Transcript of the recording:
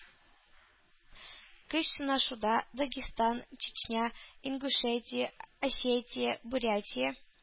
Көч сынашуда Дагестан, Чечня, Ингушетия, Осетия, Бурятия,